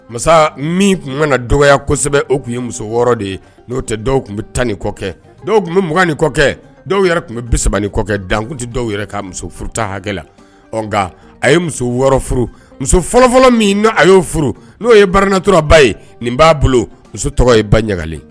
Masa min tun ka na dɔwya kosɛbɛsɛbɛ o tun ye muso wɔɔrɔ de ye n'o tɛ dɔw tun bɛ tan ni kɔ kɛ dɔw tun bɛugan ni kɔ kɛ dɔw yɛrɛ tun bɛsa ni kɔ kɛ dankun tɛ dɔw yɛrɛ ka muso furu hakɛ la a ye muso wɔɔrɔ furu muso fɔlɔfɔlɔ min na a y'o furu n'o ye baratɔba ye nin b'a bolo muso tɔgɔ ye ba ɲagalen